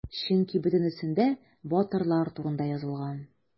Чөнки бөтенесендә батырлар турында язылган.